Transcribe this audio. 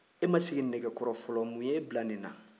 e ma sigi nɛgɛkɔrɔ fɔlɔ mun y'e bila nin na